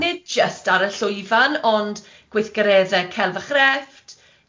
a nid jyst ar y llwyfan ond gweithgaredde celf a chrefft